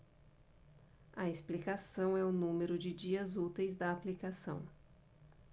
a explicação é o número de dias úteis da aplicação